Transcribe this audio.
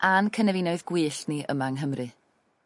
a'n cynefinoedd gwyllt ni yma yng Nghymru.